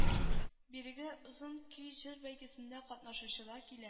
Бирегә озын көй җыр бәйгесендә катнашучылар килә